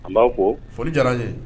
A'a ko foli diyara n ye